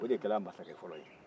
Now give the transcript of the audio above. o de kɛra a mansakɛ fɔlɔ ye